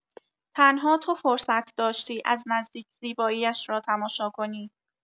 تنها تو فرصت داشتی از نزدیک زیبایی‌اش را تماشا کنی.